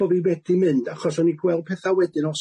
bo' fi wedi mynd achos o'n i'n gweld petha' wedyn o